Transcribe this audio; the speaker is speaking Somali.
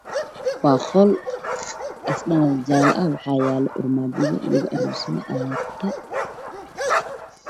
Waa qol asoo dhan wada jaal ah waxaa yeelo armaajada lagu aruursanayay alaabta